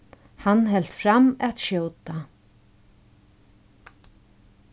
hann helt fram at skjóta